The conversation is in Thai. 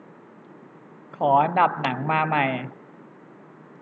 ขออันดับหนังมาใหม่